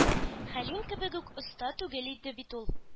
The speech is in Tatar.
Хәлим кебек үк оста түгел бит ул...